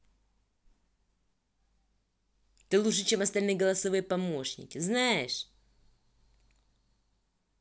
ты лучше чем остальные голосовые помощники знаешь